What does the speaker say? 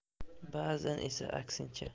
ba'zan esa aksincha